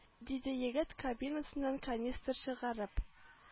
Диде егет кабинасыннан канистр чыгарып